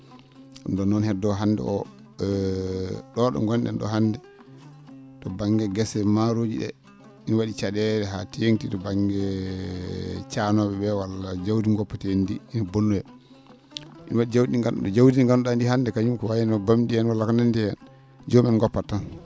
nden noon heddo hannde o ?o ?o gon?en ?o hannde to ba?nge gese maarooji ?e ina wa?i ca?eele haa tee?ti to ba?nge caanoo?e ?ee walla jawdi ngoppeteendi ndii ina bonnoya ina wa?i jaw?i ?i nganndu?aa jawdi ndi nganndu?aa ndii hannde kañum ko wayno bam?i en walla ko nanndi heen joomum en goppat tan